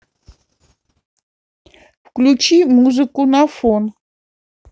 включи музыку на фон